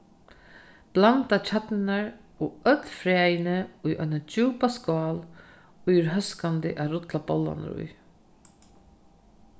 blanda kjarnurnar og øll fræini í eina djúpa skál ið er hóskandi at rulla bollarnar í